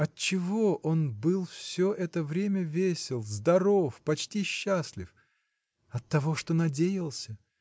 Отчего он был все это время весел, здоров, почти счастлив? Оттого, что надеялся.